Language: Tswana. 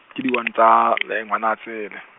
ke di one tsa le Ngwanatseele.